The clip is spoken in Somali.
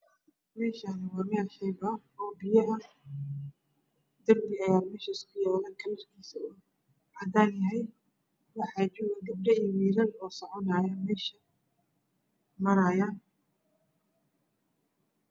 Meeshaani waa meel shay darbi ayaa meesha ku yaalo kalarkiisa uu cadaan yahay waxaa jooga gabdho iyo wiilal socanayo marayo